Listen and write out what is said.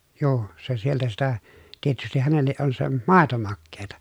juu se sieltä sitä tietysti hänelle on se maito makeaa